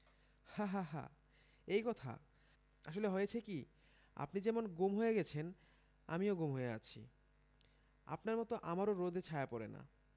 হা হা হা এই কথা আসলে হয়েছে কি আপনি যেমন গুম হয়ে গেছেন আমিও গুম হয়ে আছি আপনার মতো আমারও রোদে ছায়া পড়ে না